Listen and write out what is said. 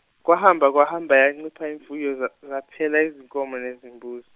kwahamba kwahamba yancipha imfuyo za- zaphela izinkomo nezimbuzi.